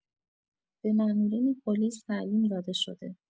به مامورین پلیس تعلیم داده شده